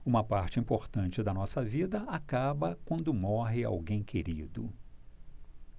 uma parte importante da nossa vida acaba quando morre alguém querido